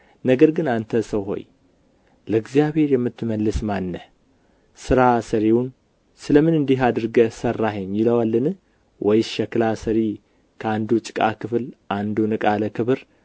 ነገር ግን አንተ ሰው ሆይ ለእግዚአብሔር የምትመልስ ማን ነህ ሥራ ሠሪውን ስለ ምን እንዲህ አድርገህ ሠራኸኝ ይለዋልን ወይም ሸክላ ሠሪ ከአንዱ ጭቃ ክፍል አንዱን ዕቃ ለክብር